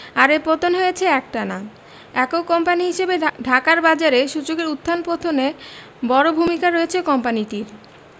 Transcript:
আর এ পতন হয়েছে একটানা একক কোম্পানি হিসেবে ঢাকার বাজারে সূচকের উত্থান পতনে বড় ভূমিকা রয়েছে কোম্পানিটির